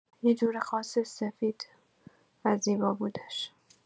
یک‌جور خاصی سفید و زیبا بودش.